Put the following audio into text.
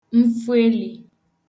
nfụeli